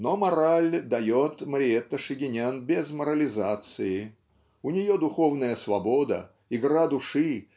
Но мораль дает Мариэтта Шагинян без морализации у нее духовная свобода игра души